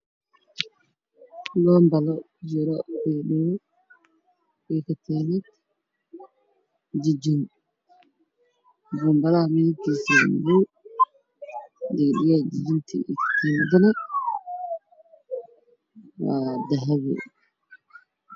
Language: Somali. Waa laba armaajo mid waxay ku jirtaa jikada midda kalena waxay ku jirtaa mid jikada waa madow mid aqalka noocdaan